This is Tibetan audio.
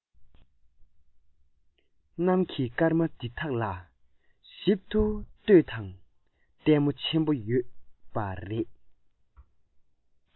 གནམ གྱི སྐར མ འདི དག ལ ཞིབ ཏུ ལྟོས དང ལྟད མོ ཆེན པོ ཡོད པ རེད